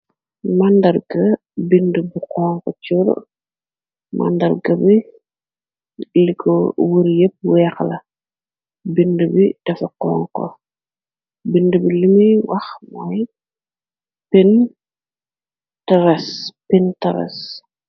màndarga bind bu xonko cor màndarga bi liko wur yepp weexla bind bi defa konko bind bi limuy wax mooy pintaras